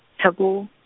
Thabong.